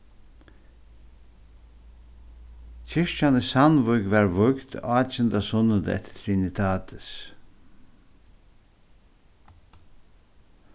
kirkjan í sandvík varð vígd átjanda sunnudag eftir trinitatis